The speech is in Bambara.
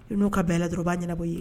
I n'u ka bɛn a la dɔrɔn u b'a ɲɛnabɔ i ye.